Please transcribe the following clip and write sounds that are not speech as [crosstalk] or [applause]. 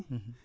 [hesitation] [hesitation]